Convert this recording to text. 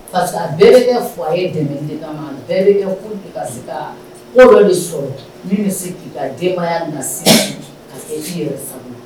Pa bɛɛ fa ye dɛmɛ dɔ de sɔrɔ min bɛ se ka denbaya ka seji yɛrɛ